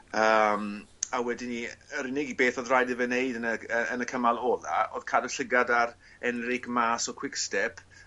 yym a wedyn 'ny yr unig u- beth odd rhaid i fe neud yn y g- yy yn y cymal ola odd cadw llygad ar Enric Mas o Quickstep